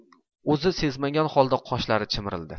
zumradhonning o'zi sezmagan holda qoshlari chimirildi